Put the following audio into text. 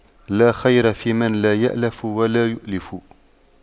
لا خير فيمن لا يَأْلَفُ ولا يؤلف